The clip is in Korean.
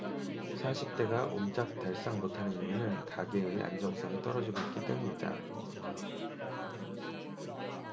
사십 대가 옴짝달싹 못하는 이유는 가계의 안정성이 떨어지고 있기 때문이다